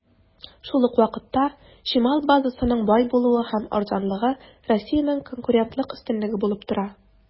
Шул ук вакытта, чимал базасының бай булуы һәм арзанлыгы Россиянең конкурентлык өстенлеге булып тора.